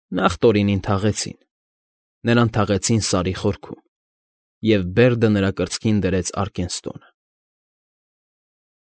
Նախ Տորինին թաղեցին։ Նրան թաղեցին Սարի խորքում, և Բերդը նրա կրծքին դրեց Արկենստոնը։ ֊